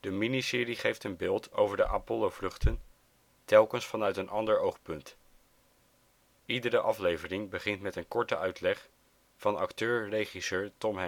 miniserie geeft een beeld over de Apollo vluchten, telkens vanuit een ander oogpunt. Iedere aflevering begint met een korte uitleg van acteur/regisseur Tom